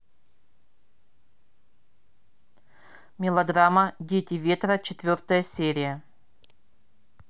мелодрама дети ветра четвертая серия